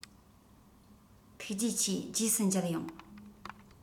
ཐུགས རྗེ ཆེ རྗེས སུ མཇལ ཡོང